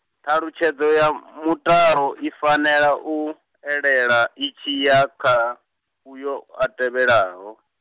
ṱhalutshedzo ya mutalo i fanela u, elela itshi ya kha, uyo a tevhelaho.